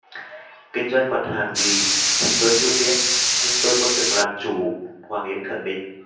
kinh doanh mặt hàng gì thì tôi chưa biết nhưng tôi muốn được làm chủ hoàng yến khẳng định